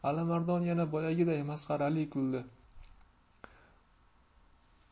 alimardon yana boyagiday masxarali kuldi